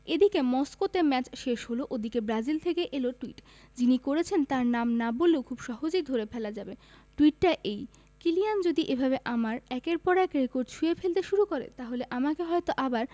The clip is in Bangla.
এদিকে মস্কোতে ম্যাচ শেষ হলো ওদিকে ব্রাজিল থেকে এল টুইট যিনি করেছেন তাঁর নাম না বললেও খুব সহজেই ধরে ফেলা যাবে টুইটটা এই কিলিয়ান যদি এভাবে আমার একের পর এক রেকর্ড ছুঁয়ে ফেলতে শুরু করে তাহলে আমাকে হয়তো আবার